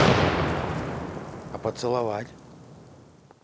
а поцеловать